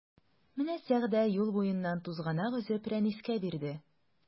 Менә Сәгъдә юл буеннан тузганак өзеп Рәнискә бирде.